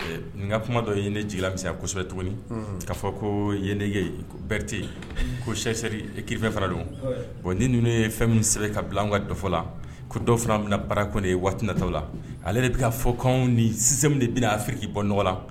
Nin ka kuma dɔ ye ne jigilamisa kosɛbɛ tuguni k'a fɔ ko yen nege berete ko sɛsɛri kirip fana don bon ni ninnu ye fɛn min sɛbɛn ka bila an ka dɔfɔ la ko dɔw fana bɛna baara kɔni ye waati natɔ la ale de bɛ ka fɔkan ni sisan minnu bɛna afiriki bɔ nɔgɔ la